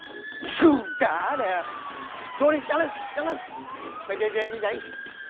sườn chả nè dô đi nhanh lên nhanh lên mày rề rề gì dậy